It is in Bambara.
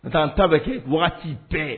N taa an ta bɛ kɛ waati bɛɛ